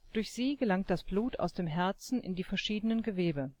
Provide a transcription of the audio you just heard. Durch sie gelangt das Blut aus dem Herzen in die verschiedenen Gewebe